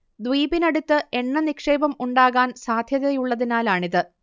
ദ്വീപിനടുത്ത് എണ്ണ നിക്ഷേപം ഉണ്ടാകാൻ സാദ്ധ്യതയുള്ളതിനാലാണിത്